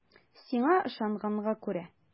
Сиңа ышанганга күрә.